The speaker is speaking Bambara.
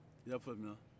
i y'a faamuya